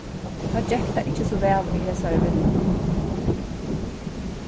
tá gekk tað ikki so væl í hesari vinnuni